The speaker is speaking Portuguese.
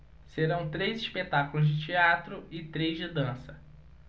serão três espetáculos de teatro e três de dança